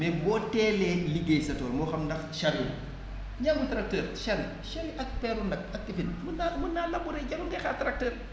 mais boo teelee liggéey sa tool moo xam ndax chariot ñi amul tracteur chaine chaine ak peeru nag ak lifin mën naa mun naa labouré jarul ngay xaar tracteur